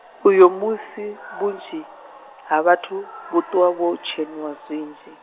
uyo musi vhunzhi, ha vhathu, vho ṱuwa vho tshenuwa zwinzhi.